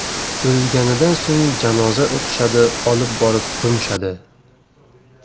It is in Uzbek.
o'lganidan so'ng janoza o'qishadi olib borib ko'mishadi